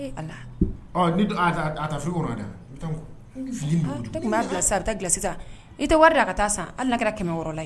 I tɛ wari taa sa yɔrɔ la